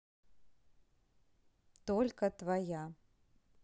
только твоя